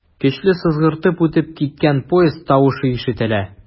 Көчле сызгыртып үтеп киткән поезд тавышы ишетелә.